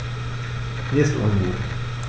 Mir ist ungut.